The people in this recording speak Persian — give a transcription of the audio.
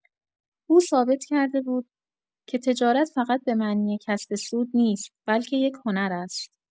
او ثابت کرده بود که تجارت فقط به معنی کسب سود نیست، بلکه یک هنر است.